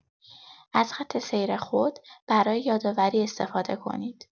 از خط سیر خود برای یادآوری استفاده کنید.